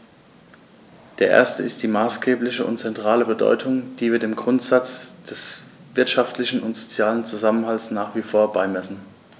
Der erste ist die maßgebliche und zentrale Bedeutung, die wir dem Grundsatz des wirtschaftlichen und sozialen Zusammenhalts nach wie vor beimessen.